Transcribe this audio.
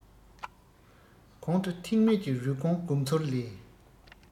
གོང དུ ཐེག དམན གྱི རུས གོང སྒོམ ཚུལ ལས